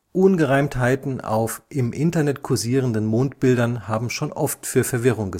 Ungereimtheiten auf im Internet kursierenden Mondbildern haben schon oft für Verwirrung